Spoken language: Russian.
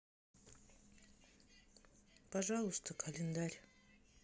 пожалуйста календарь